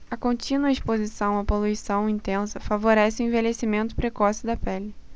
a contínua exposição à poluição intensa favorece o envelhecimento precoce da pele